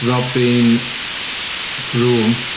Robin Broom.